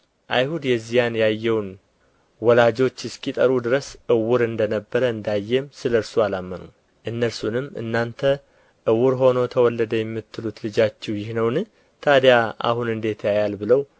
አይሁድ የዚያን ያየውን ወላጆች እስኪጠሩ ድረስ ዕውር እንደ ነበረ እንዳየም ስለ እርሱ አላመኑም እነርሱንም እናንተ ዕውር ሆኖ ተወለደ የምትሉት ልጃችሁ ይህ ነውን ታድያ አሁን እንዴት ያያል ብለው